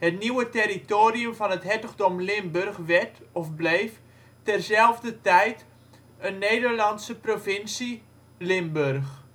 nieuwe territorium van het hertogdom Limburg werd (of bleef) tezelfdertijd een Nederlandse provincie (Limburg